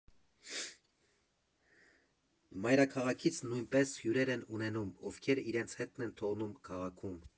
Մայրաքաղաքից նույնպես հյուրեր են ունենում, ովքեր իրենց հետքն են թողում քաղաքում։